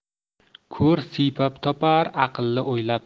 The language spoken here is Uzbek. ko'r siypab topar aqlli o'ylab